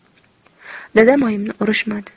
dadam oyimni urishmadi